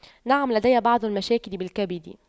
نعم لدي بعض المشاكل بالكبد